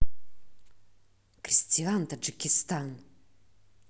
кристиан таджикистан